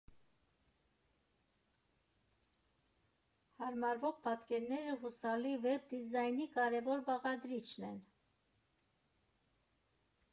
Հարմարվող պատկերները հուսալի վեբ դիզայնի կարևոր բաղադրիչն են։